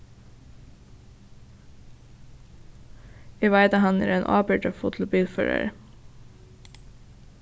eg veit at hann er ein ábyrgdarfullur bilførari